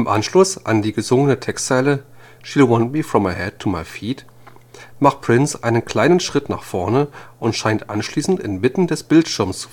Anschluss an die gesungene Textzeile „ she’ ll want me from my head to my feet “macht Prince einen kleinen Schritt nach vorne und scheint anschließend inmitten des Bildschirms